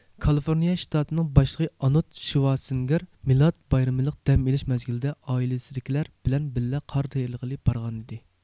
كالىفورنىيە شتاتىنىڭ باشلىقى ئانود شىۋادسېنگىر مىلاد بايرىمىلىق دەم ئېلىش مەزگىلىدە ئائىلىسىدىكىلەر بىلەن بىللە قار تېيىلغىلى بارغانىدى